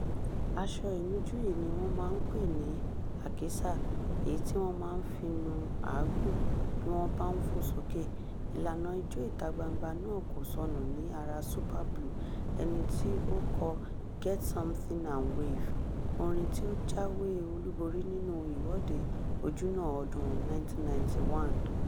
Aṣọ inujú yìí ni wọ́n máa ń pè ní "àkísà", èyí tí wọn máa fi ń nu àágùn bí wọ́n bá ń "fò sókè". Ìlànà Ijó ìta-gbangba náà kò sọnù ní ara Super Blue, ẹni tí ó kọ "Get Something and Wave", orin tí ó jáwé olúborí nínú Ìwọ́de Ojúnà ọdún-un 1991.